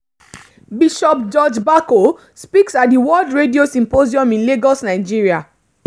Bishop George Bako speaks at the World Radio Day symposium in Lagos, Nigeria.